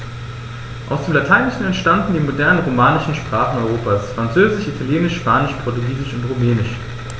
Aus dem Lateinischen entstanden die modernen „romanischen“ Sprachen Europas: Französisch, Italienisch, Spanisch, Portugiesisch und Rumänisch.